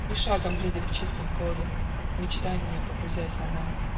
И шагом едет в чистом поле, В мечтанья погрузясь, она